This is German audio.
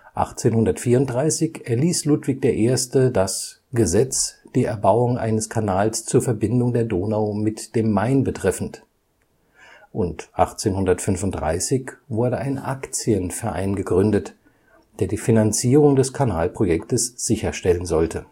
1834 erließ Ludwig I. das Gesetz, die Erbauung eines Kanals zur Verbindung der Donau mit dem Main betreffend und 1835 wurde ein Actienverein gegründet, der die Finanzierung des Kanalprojektes sicherstellen sollte